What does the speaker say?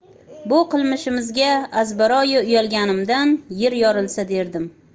bu qilmishimizga azbaroyi uyalganimdan yer yorilsa derdim